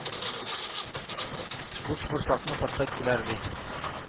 — бушборчакны патша иттеләр, ди.